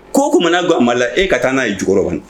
Ko o ko mana gan Mali la e ka taa na ye jukɔnɔ ba